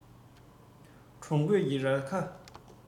འབྲོང རྒོད ཀྱི རྭ ཁ